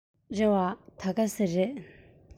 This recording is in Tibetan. རེ བ ད ག ཟེ རེད